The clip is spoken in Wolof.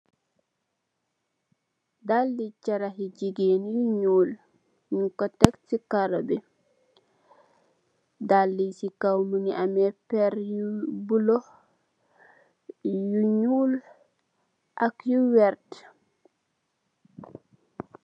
Daali cxarax yu jigéen nuul nyun ko tek si karo bi daala yi si kaw mongi ame perr yu bulu yu nuul ak yu wertax.